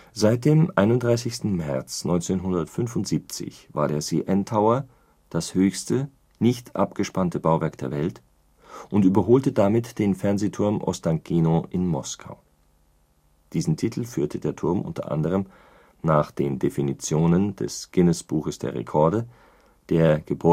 Seit dem 31. März 1975 war der CN Tower das höchste nicht abgespannte Bauwerk der Welt und überholte damit den Fernsehturm Ostankino in Moskau. Diesen Titel führte der Turm unter anderem nach den Definitionen des Guinness-Buches der Rekorde, der Gebäudeinformationsdatenbank